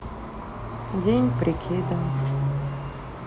день прикида